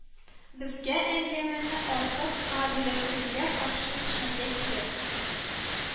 Безгә әңгәмәне артык гадиләштерүгә каршы төшәргә кирәк